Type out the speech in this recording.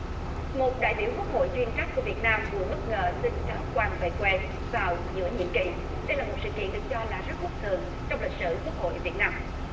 một đại biểu quốc hội chuyên trách của việt nam vừa bất ngờ xin cáo quan về quê vào giữa nhiệm kỳ đây là một sự kiện được cho là rất bất thường trong lịch sử quốc hội việt nam